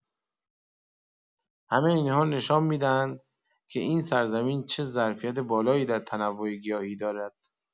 همه این‌ها نشان می‌دهند که این سرزمین چه ظرفیت بالایی در تنوع گیاهی دارد.